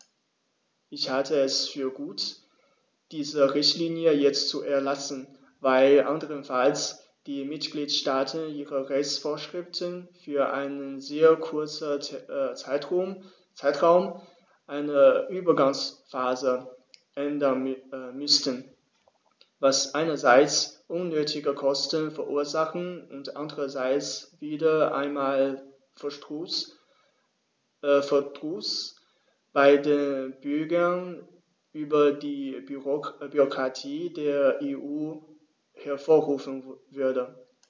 Ich halte es für gut, diese Richtlinie jetzt zu erlassen, weil anderenfalls die Mitgliedstaaten ihre Rechtsvorschriften für einen sehr kurzen Zeitraum, eine Übergangsphase, ändern müssten, was einerseits unnötige Kosten verursachen und andererseits wieder einmal Verdruss bei den Bürgern über die Bürokratie der EU hervorrufen würde.